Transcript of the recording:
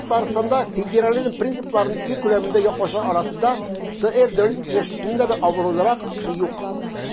Татарстанда федерализм принципларын ил күләмендә яклаучылар арасында ТР Дәүләт Киңәшчесеннән дә абруйлырак кеше юк.